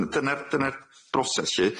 Dyn- dyna'r dyna'r broses lly.